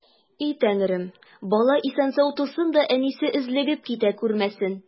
И Тәңрем, бала исән-сау тусын да, әнисе өзлегеп китә күрмәсен!